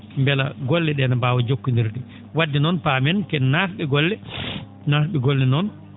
mbela golle ?ee na mbaawa jokkondirde wadde noon paamen ken naat?e golle naat?e golle noon